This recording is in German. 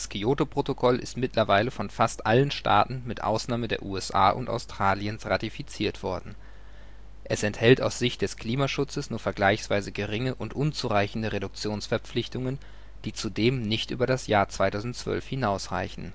Kyoto-Protokoll ist mittlerweile von fast allen Staaten mit Ausnahme der USA und Australiens ratifiziert worden. Es enthält aus Sicht des Klimaschutzes nur vergleichsweise geringe und unzureichende Reduktionsverpflichtungen, die zudem nicht über das Jahr 2012 hinaus reichen